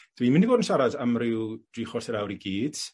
Dwi'n mynd i fod yn siarad am ryw dri chwarter awr i gyd.